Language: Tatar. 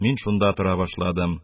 Мин шунда тора башладым.